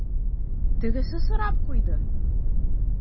Тегесе сорап куйды: